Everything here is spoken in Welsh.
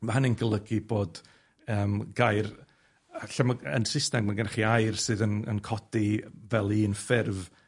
Ma' hynny'n golygu bod yym gair, yy lle ma' yn Sysnag ma' gennych chi air sydd yn yn codi fel un ffurf